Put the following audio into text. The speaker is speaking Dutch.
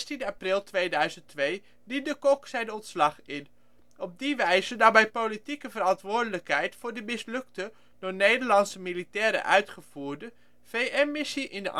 16 april 2002 diende Kok zijn ontslag in. Op die wijze nam hij de politieke verantwoordelijkheid voor de mislukte, door Nederlandse militairen uitgevoerde, VN-missie in de enclave